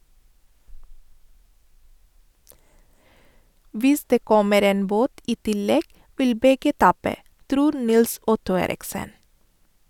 - Hvis det kommer en båt i tillegg, vil begge tape, tror Nils-Otto Eriksen.